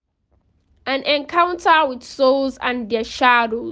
An encounter with souls and their shadows